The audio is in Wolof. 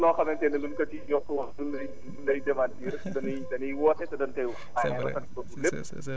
waaw bu amoon bu amoon leneen loo xamante ni ñu ngi ko ciy jokk wax du * lu ñu lay démentir da ñuy dañuy woote te dañu koy wax